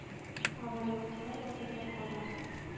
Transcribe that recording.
Авырлыклар алдында кала: